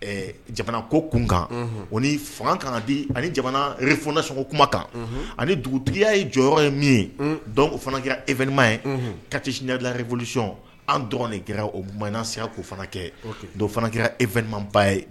Jamana ko kunkan ani fanga ka di ani jamana re f sɔngo kumakan ani dugutigitigiya ye jɔyɔrɔ ye min ye o fana kɛra einma ye kati siyadi reolisi an dɔgɔnin g o ma sayaya'o fana kɛ dɔw fana kɛra e vinma ba ye